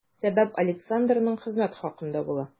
Сәбәп Александрның хезмәт хакында була.